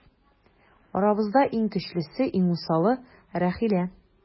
Арабызда иң көчлесе, иң усалы - Рәхилә.